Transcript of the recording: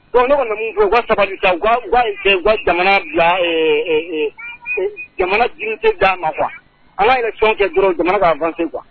Bon ne sabali jamana bila jamana d'a ma kuwa ala ye sɔn kɛ jamana ka' fanse kuwa